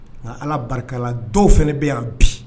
Nka ala barika dɔw fana bɛ yan bi